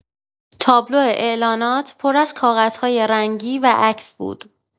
تابلو اعلانات پر از کاغذهای رنگی و عکس بود.